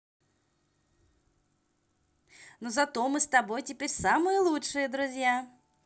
ну зато мы с тобой теперь самые лучшие друзья